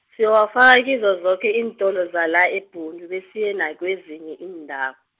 sizowafaka kizo zoke iintolo zala eBhundu besiye nakwezinye iinda-.